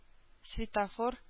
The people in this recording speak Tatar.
Светофор